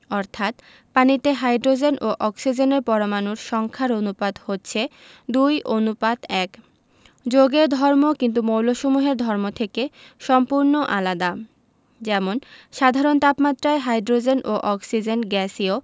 অর্থাৎ পানিতে হাইড্রোজেন ও অক্সিজেনের পরমাণুর সংখ্যার অনুপাত হচ্ছে ২ অনুপাত ১ যৌগের ধর্ম কিন্তু মৌলসমূহের ধর্ম থেকে সম্পূর্ণ আলাদা যেমন সাধারণ তাপমাত্রায় হাইড্রোজেন ও অক্সিজেন গ্যাসীয়